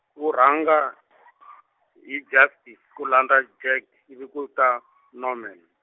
wo rhanga, i Justice ku landza Jack ivi ku ta , Norman.